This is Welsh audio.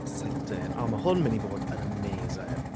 Exiting! O mae hwn mynd i bod yn amazing!